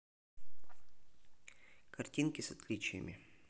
картинки с отличиями